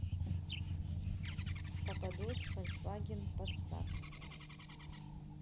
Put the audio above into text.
пападос фольксваген пассат